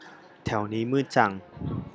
แถวนี้มืดจัง